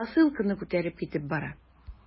Посылканы күтәреп китеп бара.